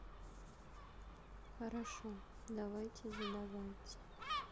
хорошо давайте задавайте